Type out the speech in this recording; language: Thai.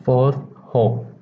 โฟธหก